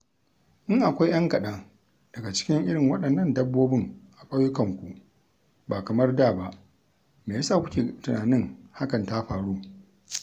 In akwai 'yan kaɗan daga cikin irin waɗannan dabbobin a ƙauyukanku ba kamar da ba, me ya sa kuke tunanin hakan ta faru?